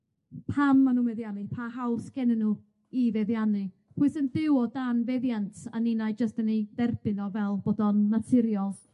pam ma' nw'n meddiannu, pa hawl sy gennyn nw i feddiannu, pwy sy'n byw o dan feddiant, a ninnau jyst yn ei dderbyn o fel bod o'n naturiol.